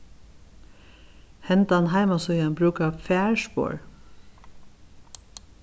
hendan heimasíðan brúkar farspor